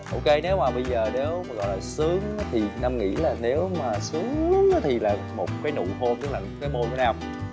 ô kê nếu mà bây giờ nếu gọi là sướng thì nam nghĩ là nếu mà sướng thì là một cái nụ hôn tức là cái môi của nam